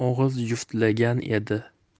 og'iz juftlagan edi